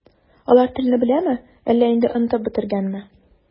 Алар телне беләме, әллә инде онытып бетергәнме?